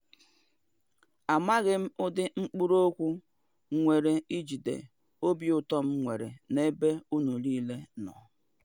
Amaghị m ụdị mkpụrụ okwu nwere ijide obi ụtọ m nwere n'ebe unu niile nọ.